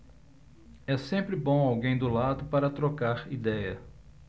é sempre bom alguém do lado para trocar idéia